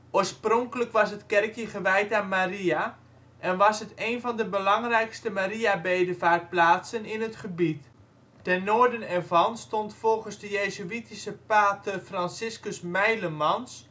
Oorspronkelijk was het kerkje gewijd aan Maria, en was het een van de belangrijkste Mariabedevaartplaatsen in het gebied. Ten noorden ervan stond volgens de jezuïtische pater Franciscus Mijlemans